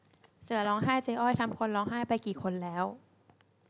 เสือร้องไห้เจ๊อ้อยทำคนร้องไห้ไปกี่คนแล้ว